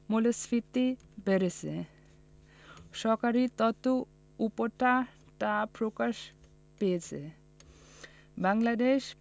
মূল্যস্ফীতি বেড়েছে সরকারি তথ্য উপাত্তে তা প্রকাশ পেয়েছে বাংলাদেশে